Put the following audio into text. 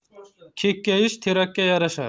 kekkayish terakka yarashar